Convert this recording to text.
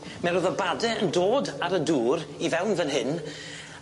M'e ro'dd y bade yn dod ar y dŵr i fewn fan hyn